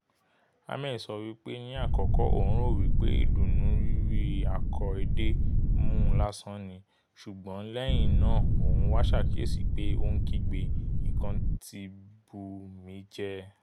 Hammel sowịpé ní àkọ́kọ́ òun rò wípé ìdùnnú rírí ako edé mú lásán ni, ṣùgbọ́n lẹ́yìn náà òun ''wá ṣàkìyèsìị́ ̀pé ó ńkígbe, 'nkań ti bù mí jẹ!